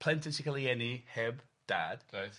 Plentyn sy'n cael ei eni heb dad... Reit. ...